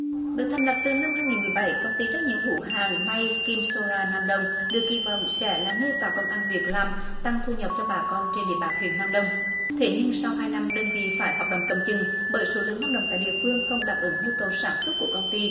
được thành lập từ năm hai nghìn mười bảy công ty trách nhiệm hữu hạn may kim sô ra nam đông được kỳ vọng sẽ là nơi tạo công ăn việc làm tăng thu nhập cho bà con trên địa bàn huyện nam đông thế nhưng sau hai năm đơn vị phải hoạt động cầm chừng bởi số lượng lao động tại địa phương không đáp ứng nhu cầu sản xuất của công ty